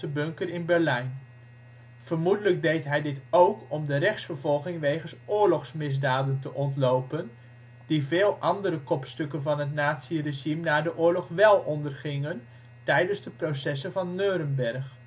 bunker in Berlijn. Vermoedelijk deed hij dit ook om de rechtsvervolging wegens oorlogsmisdaden te ontlopen, die veel andere kopstukken van het nazi-regime na de oorlog wel ondergingen tijdens de Processen van Neurenberg